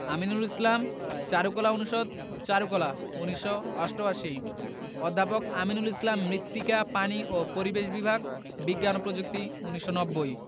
আমিনুল ইসলাম চারুকলা অনুষদ চারুকলা ১৯৮৮ অধ্যাপক আমিনুল ইসলাম মৃত্তিকা পানি ও পরিবেশ বিভাগ বিজ্ঞান ও প্রযুক্তি ১৯৯০